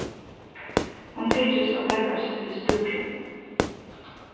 hon tykist at vera eitt sindur stúrin